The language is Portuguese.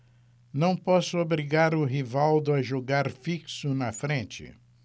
não posso obrigar o rivaldo a jogar fixo na frente